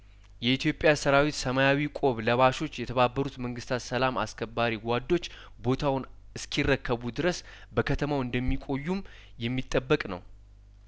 የኢትዮጵያ ሰራዊት ሰማያዊ ቆብ ለባሾች የተባበሩት መንግስታት ሰላም አስከባሪ ጓዶች ቦታውን እስኪረከቡ ድረስ በከተማው እንደሚቆዩም የሚጠበቅ ነው